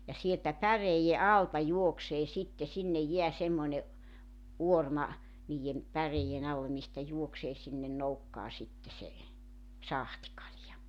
ja sieltä päreiden alta juoksee sitten sinne jää semmoinen uorma niiden päreiden alle mistä juoksee sinne nokkaan sitten se sahtikalja